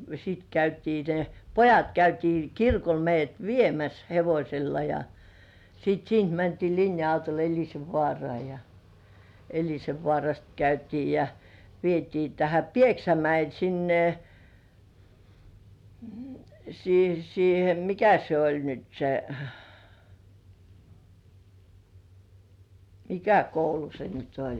sitten käytiin ne pojat käytiin kirkolla meidät viemässä hevosella ja sitten siitä mentiin linja-autolla Elisenvaaraan ja Elisenvaarasta käytiin ja vietiin tähän Pieksämäelle sinne - siihen mikä se oli nyt se mikä koulu se nyt oli